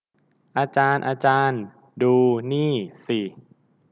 อาจารย์อาจารย์ดูนี่สิ